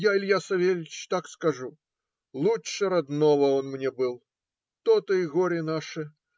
Я, Илья Савельич, так скажу: лучше родного он мне был. То-то и горе наше.